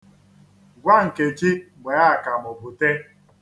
Gwa Nkechi gbee akamụ bute.